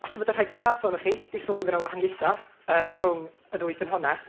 Falle bod y rhai craff ohonoch chi 'di sylwi fod 'na wahaniaethau yy rhwng y ddwy ffynonell.